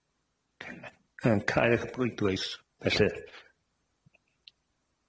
Yn cau'r bleidlais felly.